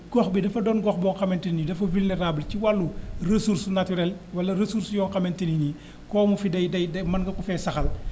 gox bi dafa doon gox boo xamante ni dafa vulnérable ci wàllu ressource naturelle wala ressource yoo xamante ni koomu fi day day day mën nga ko fee saxal